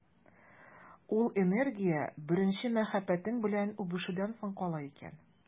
Ул энергия беренче мәхәббәтең белән үбешүдән соң кала икән.